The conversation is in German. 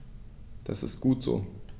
Das ist gut so.